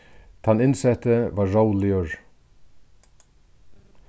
tann innsetti var róligur